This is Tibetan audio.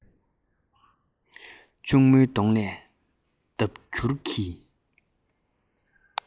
གཅུང མོའི གདོང ལས ལྡབ འགྱུར གྱིས